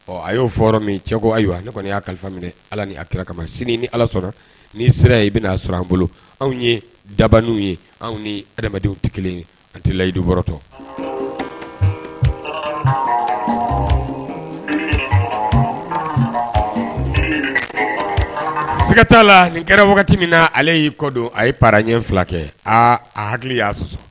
Ɔ a y'o fɔra min cɛ ayiwa ne kɔni y'a kalifa minɛ ala nia kira kama sini ni ala sɔnna ni sera ye i bɛna a sɔrɔ an bolo anw ye daw ye anw ni adamadenw tɛ kelen ye an tɛla iduɔrɔtɔ siga t' la nin kɛra wagati min na ale y'i kɔdon a ye pa ɲɛ fila kɛ aaa a hakili y'a sɔ